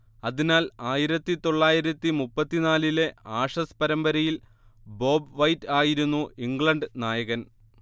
അതിനാൽ ആയിരത്തിതൊള്ളായിരത്തി മുപ്പത്തിനാലിലെ ആഷസ് പരമ്പരയിൽ ബോബ് വൈറ്റ് ആയിരുന്നു ഇംഗ്ലണ്ട് നായകൻ